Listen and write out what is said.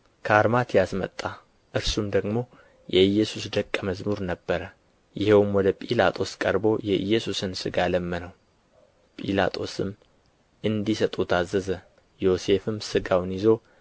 ከአርማትያስ መጣ እርሱም ደግሞ የኢየሱስ ደቀ መዝሙር ነበረ ይኸውም ወደ ጲላጦስ ቀርቦ የኢየሱስን ሥጋ ለመነው ጲላጦስም እንዲሰጡት አዘዘ ዮሴፍም ሥጋውን ይዞ